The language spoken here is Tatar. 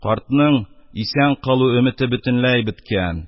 Картның исән калу өмете бөтенләй беткән,